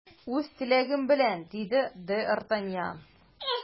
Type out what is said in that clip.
Үз теләгем белән! - диде д’Артаньян.